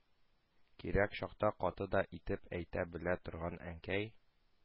Кирәк чакта каты да итеп әйтә белә торган Әнкәй